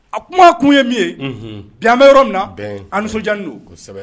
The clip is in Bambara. A kuma kun ye min ye danbe yɔrɔ min na an nisɔnjan donsɛbɛ